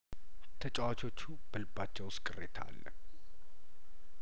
ተጨዋቾቹ በልባቸው ውስጥ ቅሬታ አለ